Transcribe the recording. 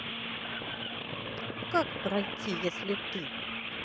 как пройти если ты